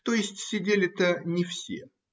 То есть сидели-то не все